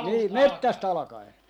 niin metsästä alkaen